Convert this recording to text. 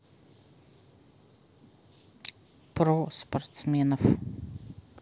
про спортсменов